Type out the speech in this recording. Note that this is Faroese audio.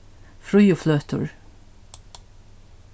fríðufløtur